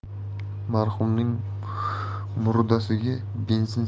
marhumning murdasiga benzin